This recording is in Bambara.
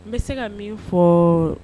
N bɛ se ka min fɔ